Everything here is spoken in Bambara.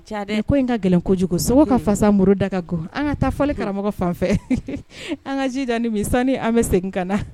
Ca ko in ka gɛlɛn kojugu sogo ka fasa muru da kɔrɔ an ka taa falenli karamɔgɔ fan fɛ an ka jija ni mi san an bɛ segin ka na